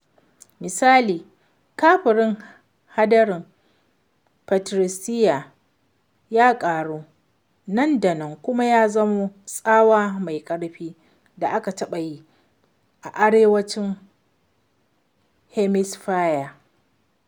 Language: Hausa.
Misali, kafirin hadarin Patricia ya ƙaru nan da nan kuma ya zama tsawa mai ƙarfi da aka taɓa yi a Arewacin Hemisphare.